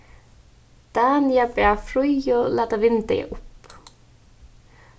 dania bað fríðu lata vindeygað upp